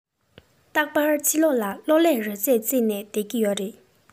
རྟག པར ཕྱི ལོག ལ གློག ཀླད རོལ རྩེད རྩེད ནས སྡོད ཀྱི ཡོད རེད